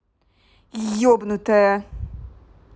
ебнутая